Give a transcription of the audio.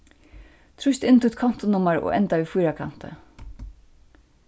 trýst inn títt kontunummar og enda við fýrakanti